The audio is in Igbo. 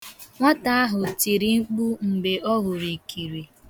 Nwata ahụ tiri mkpu mgbe ọ hụrụ ikiri